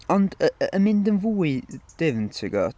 Ond yy yy yn mynd yn fwy dyfn timod?